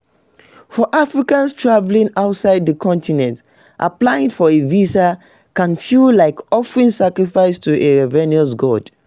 For Africans traveling outside the continent, applying for a visa can feel like offering sacrifices to a ravenous god.